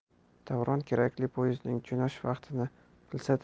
davron kerakli poezdning jo'nash vaqtini bilsa